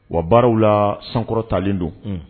Wa baaraw la sankɔrɔ talen don